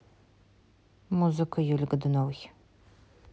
музыка юли годуновой